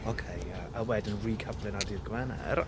Oce ie, a wedyn re-coupling ar dydd Gwener.